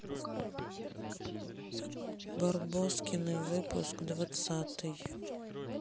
барбоскины выпуск двадцатый